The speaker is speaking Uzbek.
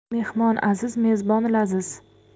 mehmon aziz mezbon laziz